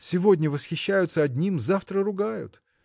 Сегодня восхищаются одним, завтра ругают